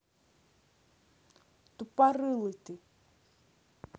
тупорылый ты